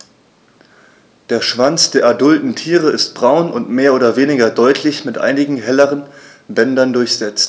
Der Schwanz der adulten Tiere ist braun und mehr oder weniger deutlich mit einigen helleren Bändern durchsetzt.